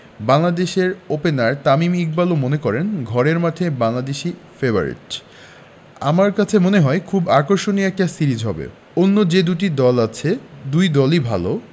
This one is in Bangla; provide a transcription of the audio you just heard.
বাংলাদেশের ওপেনার তামিম ইকবালও মনে করেন ঘরের মাঠে বাংলাদেশই ফেবারিট আমার কাছে মনে হয় খুবই আকর্ষণীয় একটা সিরিজ হবে অন্য যে দুটি দল আছে দুই দলই ভালো